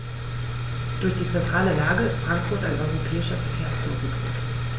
Durch die zentrale Lage ist Frankfurt ein europäischer Verkehrsknotenpunkt.